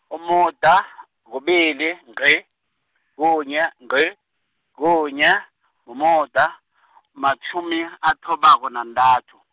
umuda , kubili, ngqi, kunye, ngqi, kunye, mumuda , matjhumi, athobako nantathu.